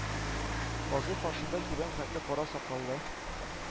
Казый, каршында кибән хәтле кара сакаллы